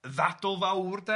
ddadl fawr de,